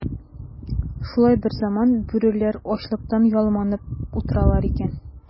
Шулай берзаман бүреләр ачлыктан ялманып утыралар икән.